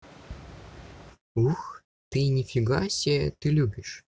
ух ты нифига се ты любишь